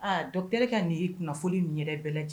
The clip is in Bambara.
Aa dɔn terikɛkɛ ka nin'i nafolo yɛrɛ bɛɛ lajɛlen